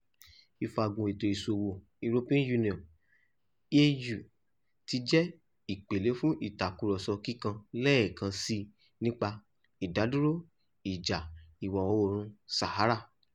Ìfàgùn ètò ìsòwò European Union (EU) ti jẹ́ ìpele fún ìtàkurọ̀sọ̀ kíkan lẹ́ẹ̀kansi nípa "ìdádúró" ìjà Ìwò Oòrùn Sahara